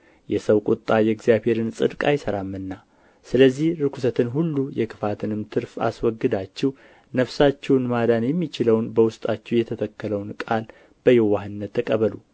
የሰው ቍጣ የእግዚአብሔርን ጽድቅ አይሠራምና ስለዚህ ርኵሰትን ሁሉ የክፋትንም ትርፍ አስወግዳችሁ ነፍሳችሁን ማዳን የሚችለውን በውስጣችሁም የተተከለውን ቃል በየዋህነት ተቀበሉ